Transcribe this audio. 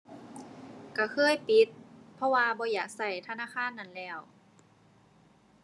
ก็เคยปิด เพราะว่าบ่อยากก็ธนาคารนั้นแล้ว